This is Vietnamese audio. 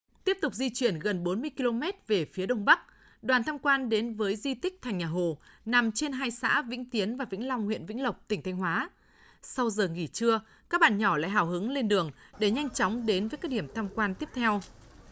tiếp tục di chuyển gần bốn mươi ki lô mét về phía đông bắc đoàn tham quan đến với di tích thành nhà hồ nằm trên hai xã vĩnh tiến và vĩnh long huyện vĩnh lộc tỉnh thanh hóa sau giờ nghỉ trưa các bạn nhỏ hào hứng lên đường để nhanh chóng đến với các điểm tham quan tiếp theo